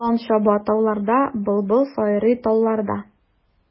Болан чаба тауларда, былбыл сайрый талларда.